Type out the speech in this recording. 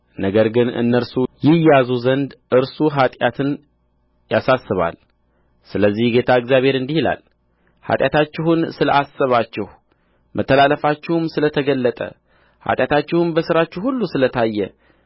ነገር ግን እነርሱ ይያዙ ዘንድ እርሱ ኃጢአትን ያሳስባል ስለዚህ ጌታ እግዚአብሔር እንዲህ ይላል ኃጢአታችሁን ስለ አሰባችሁ መተላለፋችሁም ስለ ተገለጠ ኃጢአታችሁም በሥራችሁ ሁሉ ስለ ታየ